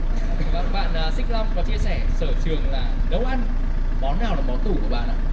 vâng bạn à xích long có chia sẻ sở trường là nấu ăn món nào là món tủ của bạn ạ